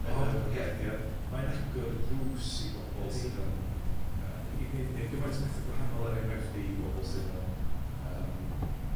yn y... O ocê. ...podlediad, mae'n agor y drws i... Ydi. ...bobol sydd yn yy i i i wneud gymaint o bethe gwahanol, er enghraifft i bobol sydd yn yym